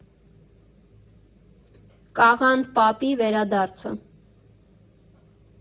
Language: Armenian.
Կաղանդ պապի վերադարձը։